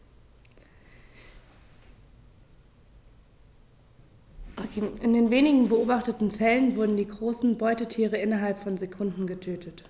In den wenigen beobachteten Fällen wurden diese großen Beutetiere innerhalb von Sekunden getötet.